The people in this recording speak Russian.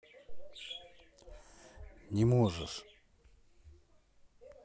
не можешь